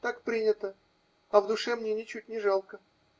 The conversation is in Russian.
Так принято, а в душе мне ничуть не жалко.